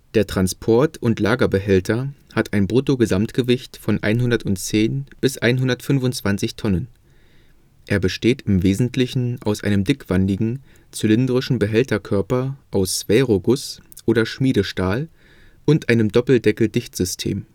Der Transport - und Lagerbehälter hat ein Brutto-Gesamtgewicht von 110 bis 125 Tonnen. Er besteht im Wesentlichen aus einem dickwandigen, zylindrischen Behälterkörper aus Sphäroguss oder Schmiedestahl und einem Doppeldeckel-Dichtsystem